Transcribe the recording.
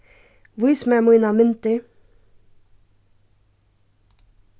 vís mær mínar myndir